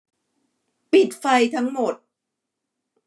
ปิดไฟทั้งหมด